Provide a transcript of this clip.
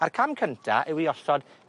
A'r cam cynta yw i osod